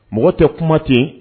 Mɔgɔ tɛ kuma ten